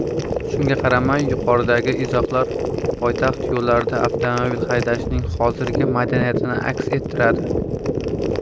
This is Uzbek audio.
shunga qaramay yuqoridagi izohlar poytaxt yo'llarida avtomobil haydashning hozirgi madaniyatini aks ettiradi